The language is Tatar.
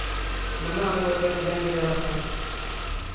Моны аңларга теләмиләр, ахры.